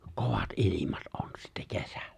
kovat ilmat on sitten kesällä